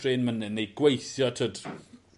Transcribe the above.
drên myny' neu gweithio t'wod